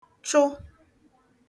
-chụ